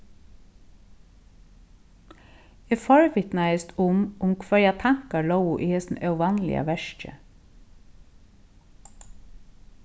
eg forvitnaðist um um hvørjar tankar lógu í hesum óvanliga verki